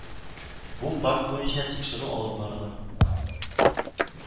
Бу факт буенча тикшерү алып барыла